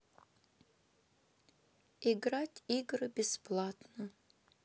играть игры бесплатно